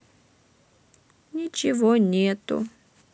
ничего нету